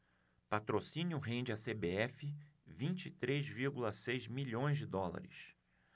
patrocínio rende à cbf vinte e três vírgula seis milhões de dólares